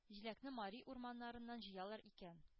Җиләкне Мари урманнарыннан җыялар икән.